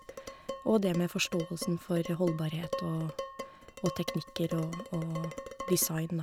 Og det med forståelsen for holdbarhet og og teknikker og og design, da.